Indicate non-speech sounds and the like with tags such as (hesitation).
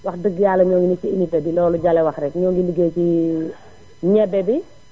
wax dëgg Yàlla ñoo ngi nii ci unité bi loolu Jalle wax rekk ñoo ngi ligéey ci (hesitation) ñebe bi